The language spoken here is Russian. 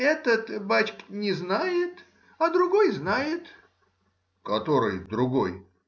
— Этот, бачка, не знает, а другой знает. — Который другой?